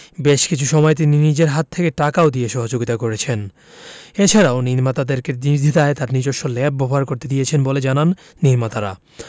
বেশ কিছু সময়ে তিনি নিজের হাত থেকে টাকা দিয়েও সহযোগিতা করেছেন এছাড়াও নির্মাতাদেরকে নির্দ্বিধায় তার নিজস্ব ল্যাব ব্যবহার করতে দিয়েছেন বলে জানান নির্মাতারা